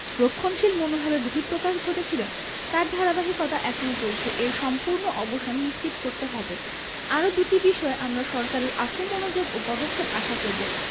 রক্ষণশীল মনোভাবের বহিঃপ্রকাশ ঘটেছিল তার ধারাবাহিকতা এখনো চলছে এর সম্পূর্ণ অবসান নিশ্চিত করতে হবে আরও দুটি বিষয়ে আমরা সরকারের আশু মনোযোগ ও পদক্ষেপ আশা করব